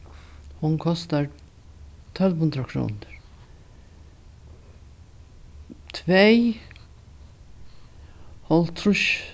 hon kostar tólv hundrað krónur tvey hálvtrýss